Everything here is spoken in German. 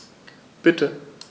Bitte.